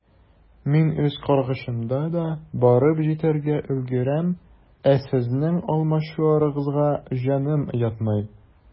Мин үз карчыгымда да барып җитәргә өлгерәм, ә сезнең алмачуарыгызга җаным ятмый.